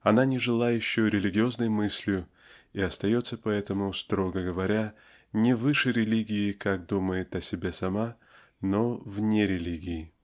она не жила еще религиозной мыслью и остается поэтому строго говоря Не выше религии как думает о себе сама но вне религии.